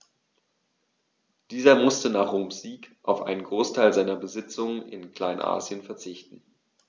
Dieser musste nach Roms Sieg auf einen Großteil seiner Besitzungen in Kleinasien verzichten.